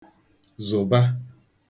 zụ̀ba